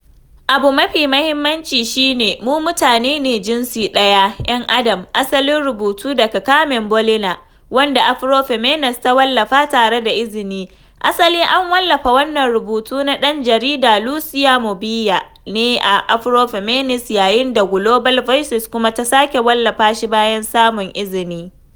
“Abu mafi mahimmanci shi ne, mu mutane ne, jinsi ɗaya, ‘yan Adam.” Asalin rubutu daga Carmen Bolena, wanda Afroféminas ta wallafa tare da izini. Asali an wallafa wannan rubutu na ɗan jarida Lucía Mbomío ne a Afroféminas, yayin da Global Voices kuma ta sake wallafa shi bayan samun izini.